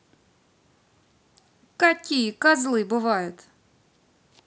какие козлы бывают